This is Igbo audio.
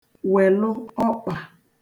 wèlụ ọkpà